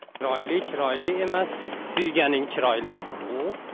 chiroyli chiroyli emas suyganing chiroyli